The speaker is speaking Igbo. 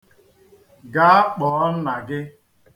Gaa kpọọ nna gị.